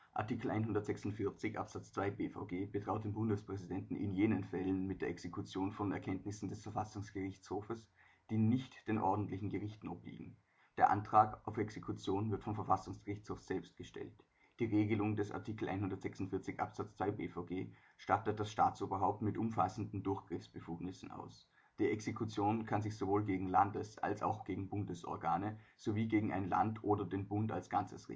Art. 146 Abs 2 B-VG betraut den Bundespräsidenten in jenen Fällen mit der Exekution von Erkenntnissen des Verfassungsgerichtshofes, die nicht den ordentlichen Gerichten obliegen. Der Antrag auf Exekution wird vom Verfassungsgerichtshof selbst gestellt. Die Regelung des Art 146 Abs 2 B-VG stattet das Staatsoberhaupt mit umfassenden Durchgriffsbefugnissen aus. Die Exekution kann sich sowohl gegen Landes - als auch gegen Bundesorgane, sowie gegen ein Land oder den Bund als Ganzes